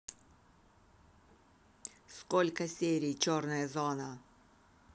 сколько серий черная зона